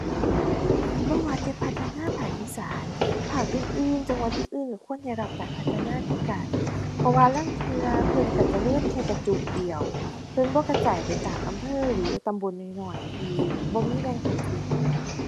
บ่ว่าแต่พัฒนาภาคอีสาน ภาคอื่นอื่นจังหวัดอื่นอื่นก็ควรได้รับการพัฒนาคือกัน เพราะว่าลางเทื่อเพิ่นก็เจริญแค่กระจุกเดียว เพิ่นบ่กระจายไปตามอำเภอหรือตำบลน้อยที่บ่มีแหล่งท่องเที่ยว